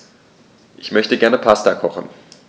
Ich möchte gerne Pasta kochen.